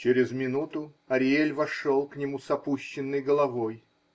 Через минуту Ариэль вошел к нему с опущенной головой.